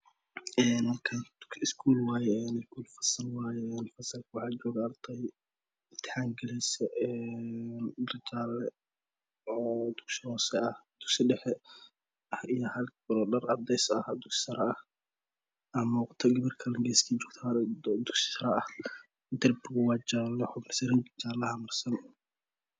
Halkaan iskool wayee faska waxaa jogo ardey wayee imtixan galeeso dhar jaale dugsi hoosa ah dugsidhaxa aha cadees ah dugsi Sara ah darpigu wa jale ranjit jaala ayaa marsan